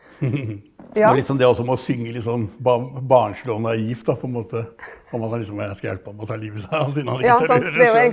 det er liksom det også må synge litt sånn barnslig og naivt da på en måte, og man har liksom jeg skal hjelpe han å ta livet av seg siden han ikke tør å gjøre det sjøl.